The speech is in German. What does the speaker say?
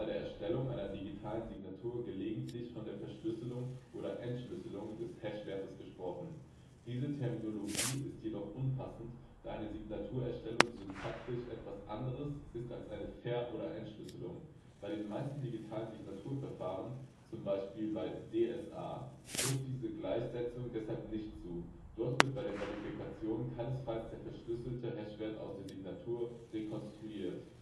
Erstellung einer digitalen Signatur gelegentlich von der „ Verschlüsselung “oder „ Entschlüsselung “des Hashwertes gesprochen. Diese Terminologie ist jedoch unpassend, da eine Signaturerstellung syntaktisch etwas anderes ist als eine Ver - oder Entschlüsselung. Bei den meisten digitalen Signaturverfahren (z. B. bei DSA) trifft diese Gleichsetzung deshalb nicht zu. Dort wird bei der Verifikation keineswegs der („ verschlüsselte “) Hashwert aus der Signatur rekonstruiert